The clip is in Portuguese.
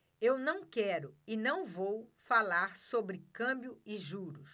eu não quero e não vou falar sobre câmbio e juros